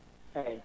eeyi